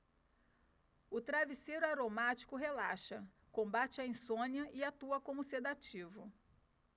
o travesseiro aromático relaxa combate a insônia e atua como sedativo